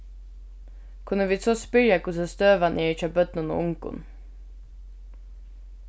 kunnu vit so spyrja hvussu støðan er hjá børnum og ungum